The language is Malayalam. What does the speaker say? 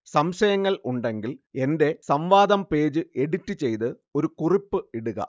സംശയങ്ങൾ ഉണ്ടെങ്കിൽ എന്റെ സംവാദം പേജ് എഡിറ്റ് ചെയ്ത് ഒരു കുറിപ്പ് ഇടുക